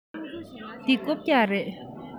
འདི རྐུབ བཀྱག རེད